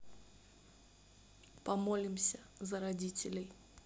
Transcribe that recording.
помолимся за родителей